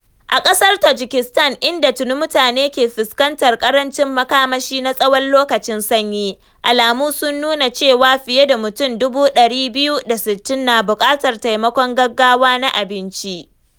A ƙasar Tajikistan, inda tuni mutane ke fuskantar ƙarancin makamashi na tsawon lokacin sanyi, alamu sun nuna cewa fiye da mutum 260,000 na buƙatar taimakon gaggawa na abinci.